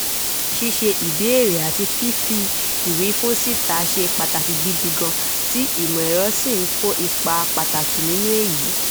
Ṣíṣe ìbéèrè àti fífi ìwífún síta ṣe pàtàkì gidi gan, tí ìmọ̀-ẹ̀rọ sì ń kó ipa pàtàkì nínú èyí.